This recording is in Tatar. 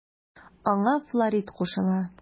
Аңа Флорид кушыла.